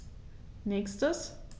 Nächstes.